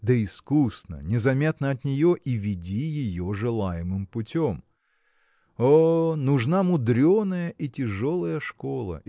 да искусно, незаметно от нее и веди ее желаемым путем. О нужна мудреная и тяжелая школа